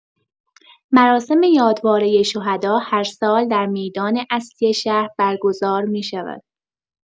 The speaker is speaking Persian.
مراسم یادوارۀ شهدا هر سال در میدان اصلی شهر برگزار می‌شود.